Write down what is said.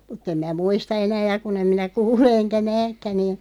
mutta en minä muista enää ja kun en minä kuule enkä näekään niin